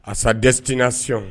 A sa destination